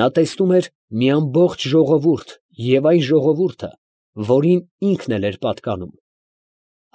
Նա տեսնում էր մի ամբողջ ժողովուրդ և այն ժողովուրդը, որին ինքն էլ էր պատկանում,